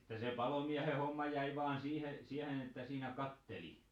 että se palomiehen homma jäi vain siihen siihen että siinä katseli